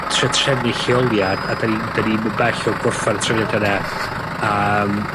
trio trefnu lleoliad, a 'dan ni'm 'dan ni'm yn bell o gorffan y trefniada 'na, a yym